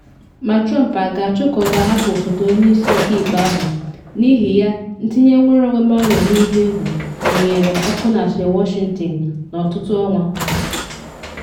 Ma Trump a ga-achụ ka ọ ga-ahapụ osote onye isi ọka ikpe ahụ, n’ihi ya tinye nnwere onwe Mueller n’ihe egwu, mụnyere ọkụ na asịrị Washington n’ọtụtụ ọnwa.